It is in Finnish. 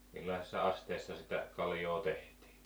millaisissa astioissa sitä kaljaa tehtiin